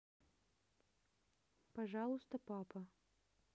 пожалуйста папа